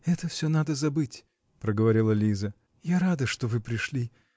-- Это все надо забыть, -- проговорила Лиза, -- я рада, что вы пришли